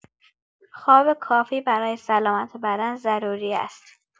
خواب کافی برای سلامت بدن ضروری است.